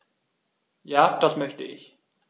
Ja, das möchte ich.